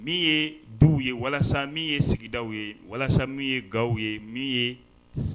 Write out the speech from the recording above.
Min ye duw ye walasa min ye sigidaw ye walasa min ye gaw ye min ye